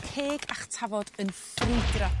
ceg a'ch tafod yn ffrwydro.